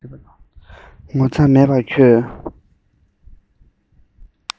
ངོ ཚ མེད པ ཁྱོད